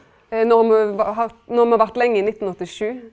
no har me hatt no har me vore lenge i nittenåttisju.